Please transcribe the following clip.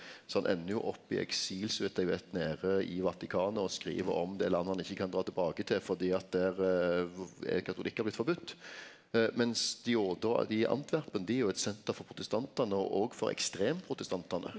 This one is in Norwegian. så han endar jo opp i eksil så vidt eg veit nede i Vatikanet og skriv om det landet han ikkje kan dra tilbake til fordi at der er katolikkar blitt forbydt, mens de Jode og dei i Antwerpen dei er jo eit senter for protestantane og òg for ekstremprotestantane.